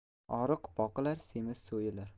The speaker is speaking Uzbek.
oriq boqilar semiz so'yilar